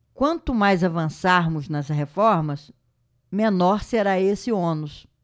quanto mais avançarmos nas reformas menor será esse ônus